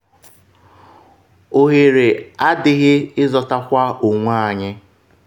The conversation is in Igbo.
“Oghere adịghị ịzọtakwa onwe anyị.